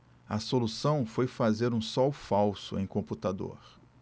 a solução foi fazer um sol falso em computador